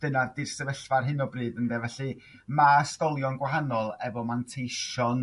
dyna 'di'r sefyllfa ar hyn o bryd ynde? Felly ma' ysgolion gwahanol efo manteision